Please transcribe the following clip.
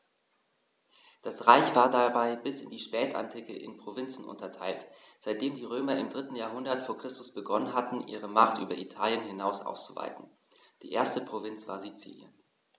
Das Reich war dabei bis in die Spätantike in Provinzen unterteilt, seitdem die Römer im 3. Jahrhundert vor Christus begonnen hatten, ihre Macht über Italien hinaus auszuweiten (die erste Provinz war Sizilien).